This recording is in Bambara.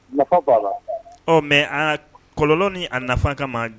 Nafa b'a la ɔ mais a k kɔlɔlɔ ni a nafa kama